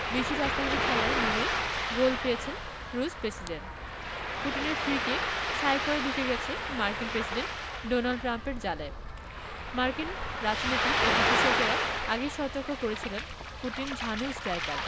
বিশ্ব রাজনীতির খেলায় নেমেই গোল পেয়েছেন রুশ প্রেসিডেন্ট পুতিনের ফ্রি কিক শাঁই করে ঢুকে গেছে মার্কিন প্রেসিডেন্ট ডোনাল্ড ট্রাম্পের জালে মার্কিন রাজনীতিক ও বিশ্লেষকেরা আগেই সতর্ক করেছিলেন পুতিন ঝানু স্ট্রাইকার